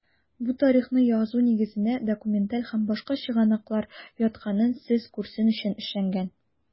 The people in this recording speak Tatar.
Бу тарихны язу нигезенә документаль һәм башка чыгынаклыр ятканын сез күрсен өчен эшләнгән.